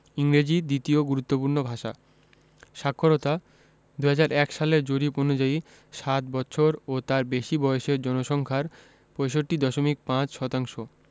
ইংরেজি দ্বিতীয় গুরুত্বপূর্ণ ভাষা সাক্ষরতাঃ ২০০১ সালের জরিপ অনুযায়ী সাত বৎসর ও তার বেশি বয়সের জনসংখ্যার ৬৫.৫